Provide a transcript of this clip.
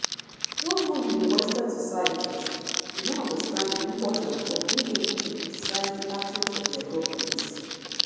“Those who live in western societies do not understand the importance of being able to criticize the actions of their government.